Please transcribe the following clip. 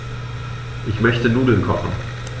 Ich möchte Nudeln kochen.